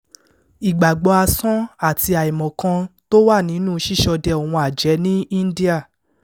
Ìgbàgbọ́-asán àti àìmọ̀kan tó wà nínú ṣíṣọde àwọn àjẹ́ ní India